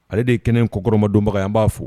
Ale de ye kɛnɛ kokɔrɔma donbaga an b'a fo